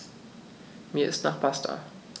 Mir ist nach Pasta.